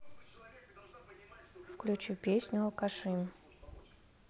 включи песню алкаши